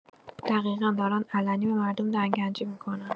دقیقا، دارند علنی به مردم دهن‌کجی می‌کنند.